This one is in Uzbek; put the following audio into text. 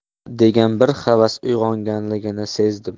xa degan bir havas uyg'onganligini sezdim